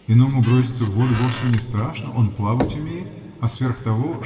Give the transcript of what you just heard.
Иному броситься в воду вовсе не страшно: он плавать умеет; а сверх того.